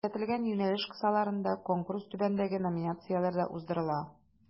Күрсәтелгән юнәлеш кысаларында Конкурс түбәндәге номинацияләрдә уздырыла: